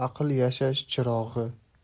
aql yashash chirog'i